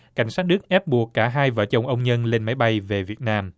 cảnh sát đức ép buộc cả hai vợ chồng ông nhân lên máy bay về việt nam